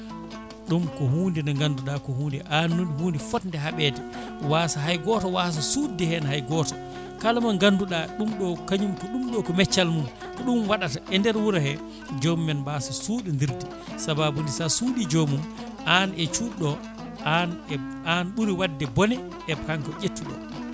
ɗum ko hunde nde ganduɗa ko hunde annude ko hunde fodde haaɓede waasa hay goto waasa sudde hen hay goto kala mo ganduɗa ɗum ɗo kañum ko ɗum ko meccal mum ko ɗum waɗata e nder wuuro he jomumen mbaasa suɗodirde sababude sa suuɗi joomum an e cuɗɗo o an e ɓuuri wadde boone e kanko ƴettuɗo o